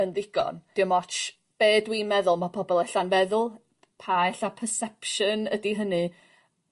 yn ddigon 'di o'm otsh be' dw i'n meddwl ma' pobol ella'n feddwl pa ella perception ydi hynny